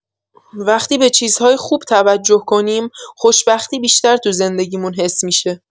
وقتی به چیزهای خوب توجه کنیم، خوشبختی بیشتر تو زندگی‌مون حس می‌شه.